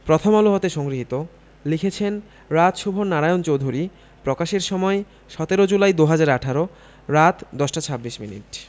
প্রথম আলো হতে সংগৃহীত লিখেছেন রাজ শুভ নারায়ণ চৌধুরী প্রকাশের সময় ১৭ জুলাই ২০১৮ রাত ১০টা ২৬ মিনিট